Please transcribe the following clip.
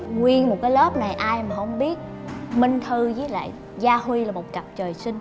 nguyên một cái lớp này ai mà hổng biết minh thư với lại gia huy là một cặp trời sinh